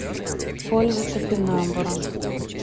польза топинамбура